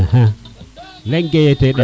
axa o leŋ